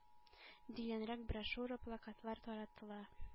Дигәнрәк брошюра-плакатлар таратыла.